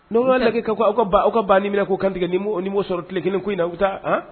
N' u'a laki ka aw aw ka ban ni minɛ k ko kantigɛ ni o ni ma sɔrɔ tile kelen in na u taa